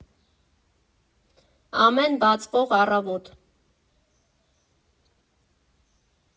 Ամեն բացվող առավոտ։